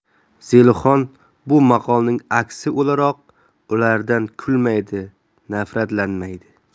zelixon bu maqolning aksi o'laroq ulardan kulmaydi nafratlanmaydi